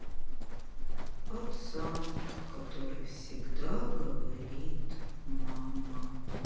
пацан который всегда говорит мама